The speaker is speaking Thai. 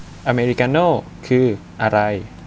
อเมริกาโน่คืออะไร